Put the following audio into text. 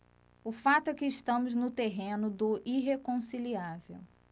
o fato é que estamos no terreno do irreconciliável